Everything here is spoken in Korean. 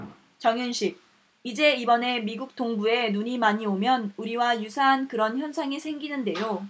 정윤식 이제 이번에 미국 동부에 눈이 많이 오면 우리와 유사한 그런 현상이 생기는데요